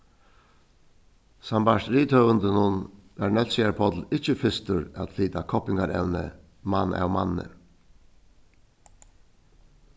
sambært rithøvundinum var nólsoyar páll ikki fyrstur at flyta koppingarevni mann av manni